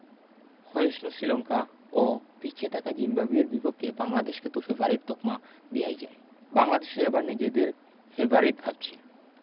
ক্ষয়িষ্ণু শ্রীলঙ্কা ও পিছিয়ে থাকা জিম্বাবুয়ের বিপক্ষে বাংলাদেশকে তো ফেবারিট তকমা দেয়াই যায় বাংলাদেশও এবার নিজেদের ফেবারিট ভাবছে